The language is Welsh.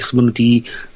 acho ma' nw 'di